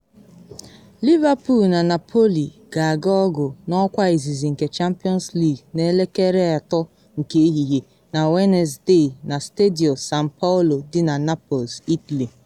Liverpool na Napoli ga-aga ọgụ n’ọkwa izizi nke Champions League na elekere 3 nke ehihie na Wenesde na Stadio San Paolo dị na Naples, Italy.